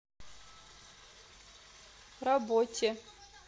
работе